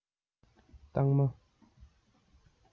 སྟག མ